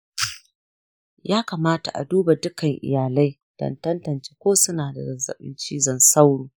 ya kamata a duba dukkan iyalai don tantance ko suna da zazzaɓin cizon sauro.